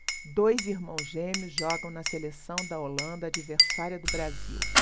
dois irmãos gêmeos jogam na seleção da holanda adversária do brasil